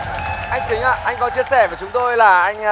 anh chính ạ anh có chia sẻ với chúng tôi là anh